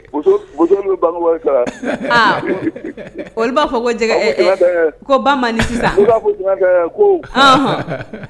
O b'a fɔ ko jɛgɛ ko sisan